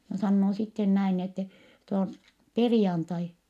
ja sanoo sitten näin niin että nyt on perjantai